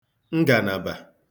ngànàbà